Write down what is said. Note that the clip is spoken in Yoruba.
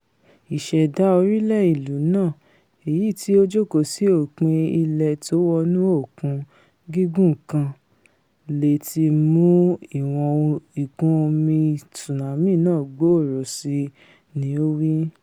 Ìṣẹ̀dá orí-ilẹ̀ ìlú náà, èyití ó jókòó sí òpin ilẹ̀ tówọnú òkun, gíguǹ kan, leè ti mú ìwọ̀n ìkún-omi tsunami náà gbòòrò síi, ní ó wí.